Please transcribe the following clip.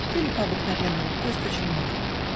Пили по-обыкновенному, то есть очень много